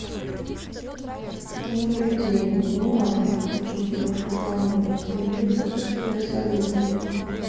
добрый день не можем подключить телефоной телевизор к сбер салюту